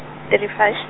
thirty five.